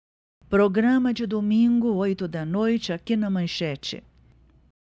programa de domingo oito da noite aqui na manchete